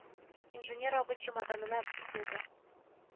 Бүген ай тотылачак.